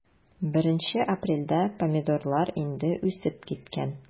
1 апрельдә помидорлар инде үсеп киткән.